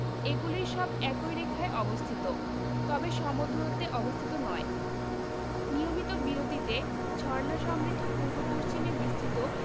এগুলির সব একই রেখায় অবস্থিত তবে সম দূরত্বে অবস্থিত নয় নিয়মিত বিরতিতে ঝর্ণা সমৃদ্ধ পূর্ব পশ্চিমে বিস্তৃত